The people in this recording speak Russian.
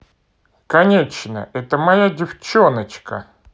конечно это моя девчоночка